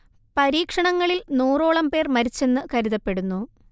പരീക്ഷണങ്ങളിൽ നൂറോളം പേർ മരിച്ചെന്ന് കരുതപ്പെടുന്നു